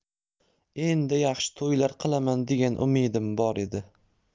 endi yaxshi to'ylar qilaman degan umidim bor edi